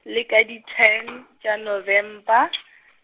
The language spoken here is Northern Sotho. le ka di ten, tša November.